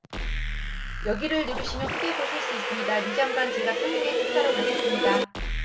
여기를 누르시면 크게 보실 수 있습니다 류 장관 제가 평양에 특사로 가겠습니다